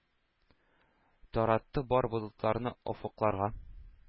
Таратты бар болытларны офыкларга.